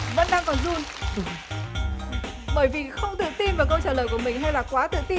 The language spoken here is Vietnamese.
vẫn đang còn run bởi vì không tự tin vào câu trả lời của mình hay là quá tự tin